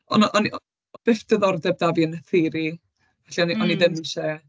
O'n i o'n i byth diddordeb 'da fi yn yr theori, felly o'n i o'n i... mm ...ddim isie...